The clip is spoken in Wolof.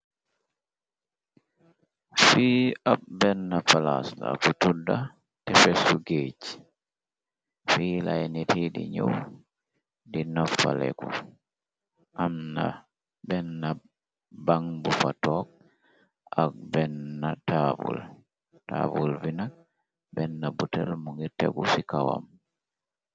Fi ab bena palaasla bu tudda te fesku géej fiilay niti di ñuw di nëf faleeku amna benna ban bu fa toog ak benna taabul taabul bi nak benna botale mu ngi tegu ci kawam.